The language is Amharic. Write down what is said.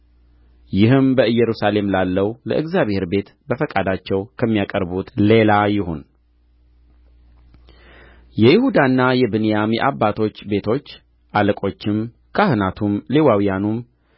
ይህም በኢየሩሳሌም ላለው ለእግዚአብሔር ቤት በፈቃዳቸው ከሚያቀርቡት ሌላ ይሁን የይሁዳና የብንያም የአባቶች ቤቶች አለቆችም ካህናቱም ሌዋውያኑም